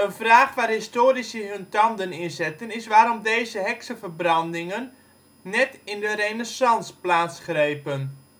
vraag waar historici hun tanden in zetten, is waarom deze heksenverbrandingen net in de Renaissance plaatsgrepen